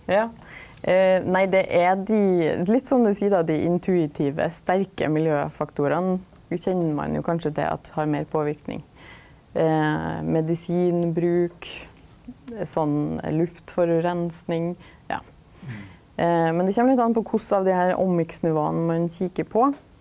ja nei det er dei litt som du seier då dei intuitive sterke miljøfaktorane dei kjenner ein jo kanskje til at har meir påverking medisinbruk, sånn luftforureining, ja, men det kjem litt an på kva av dei her omicsnivåene ein kikkar på.